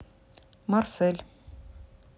марсель